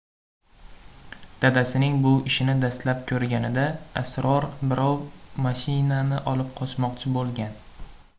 dadasining bu ishini dastlab ko'rganida asror birov mashinani olib qochmoqchi bo'lgan